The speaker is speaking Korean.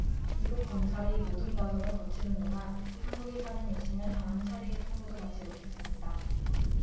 미국 검찰이 모든 과정을 거치는 동안 한국에 사는 이 씨는 단 한차례의 통보도 받지 못했습니다